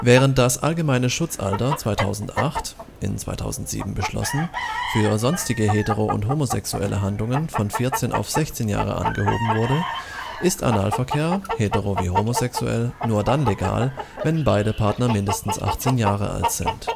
Während das allgemeine Schutzalter 2008 (2007 beschlossen) für sonstige hetero - und homosexuellen Handlungen von 14 auf 16 Jahre angehoben wurde, ist Analverkehr (hetero - wie homosexuell) nur dann legal, wenn beide Partner mindestens 18 Jahre alt sind